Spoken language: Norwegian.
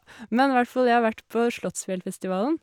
Men hvert fall, jeg har vært på Slottsfjellfestivalen.